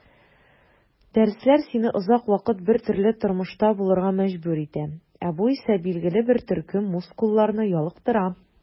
Дәресләр сине озак вакыт бертөрле торышта булырга мәҗбүр итә, ә бу исә билгеле бер төркем мускулларны ялыктыра.